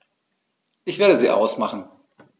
Ich werde sie ausmachen.